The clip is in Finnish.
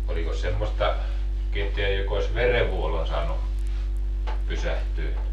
olikos semmoista ketään joka olisi verenvuodon saanut pysähtymään